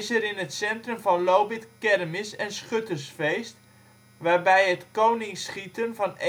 in het centrum van Lobith kermis en schuttersfeest, waarbij het koning-schieten van